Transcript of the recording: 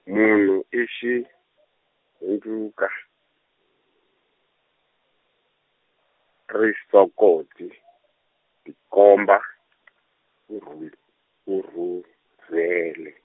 munhu i xi , hundzuka, risokoti , tikomba ku rhu- ku rhurhele.